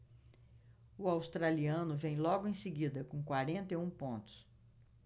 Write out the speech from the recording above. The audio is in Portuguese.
o australiano vem logo em seguida com quarenta e um pontos